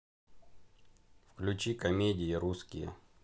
включи комедии русские